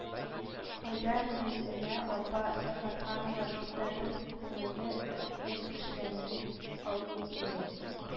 Кайда Мәгесемә апа Сәфәрханова, шунда бер күңелле этлек эшләнми калмый инде